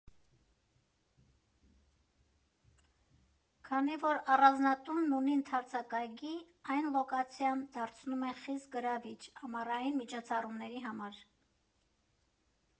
Քանի որ առանձնատունն ունի ընդարձակ այգի, այն լոկացիան դարձնում է խիստ գրավիչ ամառային միջոցառումների համար։